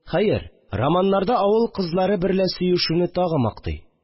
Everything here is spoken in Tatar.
Хәер, романнар да авыл кызлары берлә сөешүне тагы мактый;